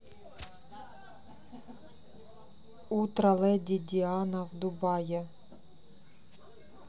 утро леди диана в дубае